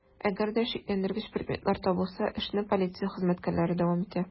Әгәр дә шикләндергеч предметлар табылса, эшне полиция хезмәткәрләре дәвам итә.